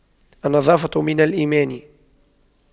النظافة من الإيمان